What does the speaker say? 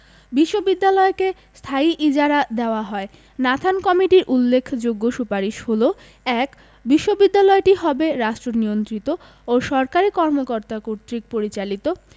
বিশ্ববিদ্যালয়কে স্থায়ী ইজারা দেওয়া হয় নাথান কমিটির উল্লেখযোগ্য সুপারিশ হলো: ১. বিশ্ববিদ্যালয়টি হবে রাষ্ট্রনিয়ন্ত্রিত ও সরকারি কর্মকর্তা কর্তৃক পরিচালিত